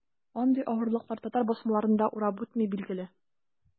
Андый авырлыклар татар басмаларын да урап үтми, билгеле.